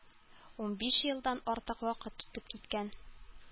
Унбиш елдан артык вакыт үтеп киткән